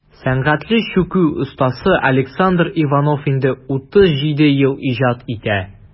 Сәнгатьле чүкү остасы Александр Иванов инде 37 ел иҗат итә.